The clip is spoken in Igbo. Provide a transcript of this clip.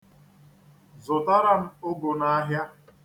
Zụtara m ụgụ n'ahịa.